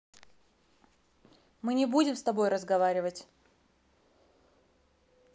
мы не будем с тобой разговаривать